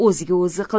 o'ziga o'zi qildi